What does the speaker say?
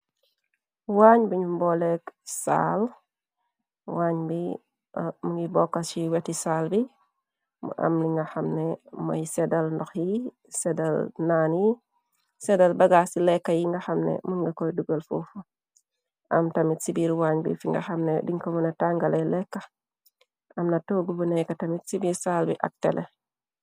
Waañ bi ñu mboolekk saal waañ bi mu ngi bokka ci weti saal bi mu am li nga xamne moy sedal ndox yi sedal naan yi sedal bagaa ci lekka yi nga xamne mun nga koy dugal fuufu am tamit ci biir waañ bi fi nga xamne dinko mëna tàngale lekka amna togg bu nekka tamit ci biir saal bi ak tele.